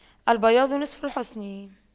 البياض نصف الحسن